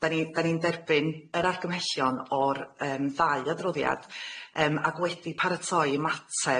'Dan ni 'dan ni'n derbyn yr argymhellion o'r yym ddau adroddiad yym ag wedi paratoi ymateb